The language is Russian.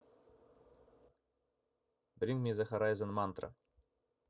bring me the horizon mantra